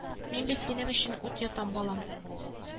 Мин бит синең өчен ут йотам балам